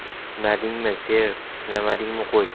sinadingmi sev sinamadingmi qo'y